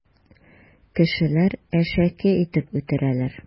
Кешеләр әшәке итеп үтерәләр.